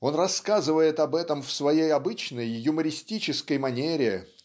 Он рассказывает об этом в своей обычной юмористической манере